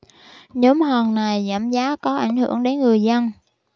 nhóm hàng này giảm giá có ảnh hưởng đến người dân